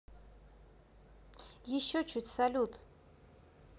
еще чуть салют